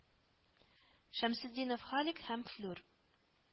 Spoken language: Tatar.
Шәмсетдинов, Халик һәм Флүр